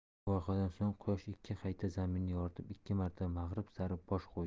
shu voqeadan so'ng quyosh ikki qayta zaminni yoritib ikki marta mag'rib sari bosh qo'ydi